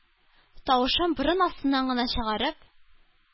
Тавышын борын астыннан гына чыгарып: